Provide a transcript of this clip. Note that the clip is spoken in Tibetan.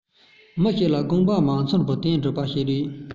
མི ཞིག ལ དགོངས པ མ ཚོམ པའི དོན བསྒྲུབ པ ཞིག རེད